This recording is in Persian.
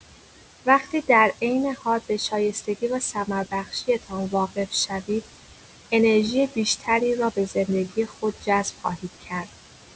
وقتی در عین حال به شایستگی و ثمربخشی‌تان واقف شوید، انرژی بیشتری را به زندگی خود جذب خواهید کرد.